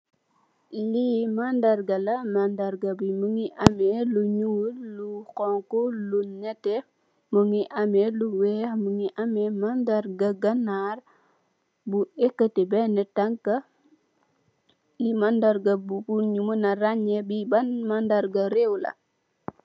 Lii mandarr gah la, mandarr gah bii mungy ameh lu njull, lu khonku, lu nehteh, mungy ameh lu wekh, mungy ameh mandarr gah ganarr mu yehkati benah tankah, lii mandarr gah pur nju munah raaanjeh lii ban maandarr gah rew la.